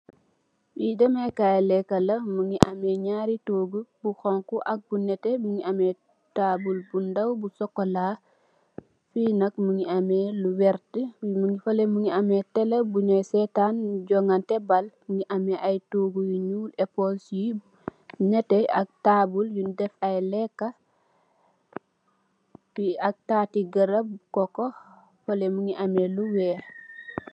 Le deme kai leka la mogi ame naari togu bu xonxu ak bu nete mogi ame tabul bu ndaw chocola fi nak mogi ame lu werta fele mogi am tele bu nyoi setan joganteh baal mogi ame ay togu yu nuul esponge yu nete ak taabul yun def ay leka fi ak tati garab coco fele mogi ame lu weex.